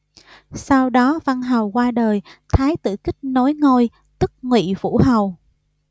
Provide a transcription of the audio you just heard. sau đó văn hầu qua đời thái tử kích nối ngôi tức ngụy vũ hầu